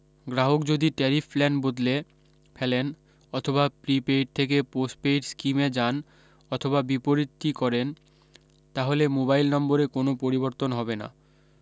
গ্রাহক যদি tariff plan বদলে ফেলেন অথবা প্রি পইড থেকে পোস্ট পইড স্কীমে যান অথবা বিপরীতটি করেন তাহলে মোবাইল নম্বরে কোনও পরিবর্তন হবে না